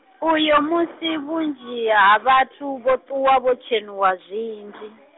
uyo musi vhunzhi ha vhathu vho ṱuwa vho tshenuwa zwinzhi.